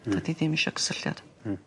Hmm. Do'dd 'i ddim isio cysylltiad. Hmm.